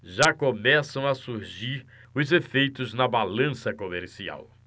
já começam a surgir os efeitos na balança comercial